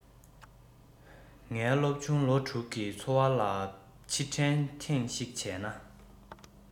ངའི སློབ ཆུང ལོ དྲུག གི འཚོ བ ལ ཕྱིར དྲན ཐེངས ཤིག བྱས ན